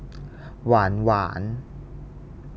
หวานหวาน